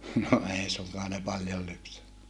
no ei suinkaan ne paljon lypsänyt